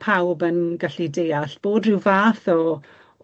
pawb yn gallu deall bod ryw fath o